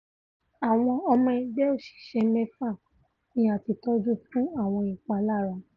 Àwọn ọmọ ẹgbẹ́ òṣìṣẹ́ mẹ́fà ni a ti tọ́jú fún àwọn ìpalára.